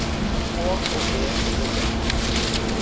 hon og eg eru væl